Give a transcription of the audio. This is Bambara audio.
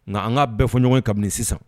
Nka an k'a bɛɛ fɔ ɲɔgɔn kabini sisan